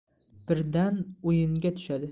birdan o'yinga tushadi